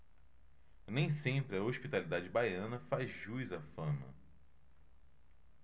nem sempre a hospitalidade baiana faz jus à fama